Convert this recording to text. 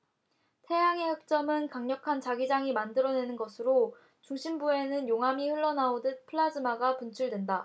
태양의 흑점은 강력한 자기장이 만들어내는 것으로 중심부에는 용암이 흘러나오듯 플라즈마가 분출된다